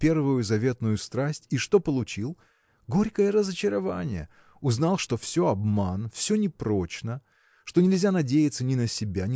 первую заветную страсть – и что получил? горькое разочарование узнал что все обман все непрочно что нельзя надеяться ни на себя